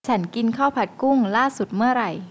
ฉันกินข้าวผัดกุ้งล่าสุดเมื่อไหร่